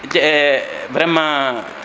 vraiment